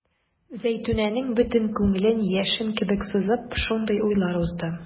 Зәйтүнәнең бөтен күңелен яшен кебек сызып шундый уйлар узды.